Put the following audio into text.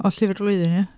O Llyfr y Flwyddyn ia?